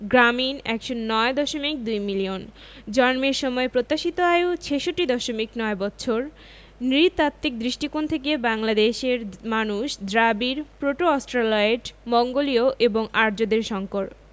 গ্রামীণ ১০৯দশমিক ২ মিলিয়ন জন্মের সময় প্রত্যাশিত আয়ু ৬৬দশমিক ৯ বৎসর নৃতাত্ত্বিক দৃষ্টিকোণ থেকে বাংলাদেশের মানুষ দ্রাবিড় প্রোটো অস্ট্রালয়েড মঙ্গোলীয় এবং আর্যদের সংকর